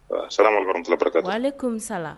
Sarama tilara ale kɔmimisala